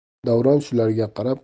davron shularga qarab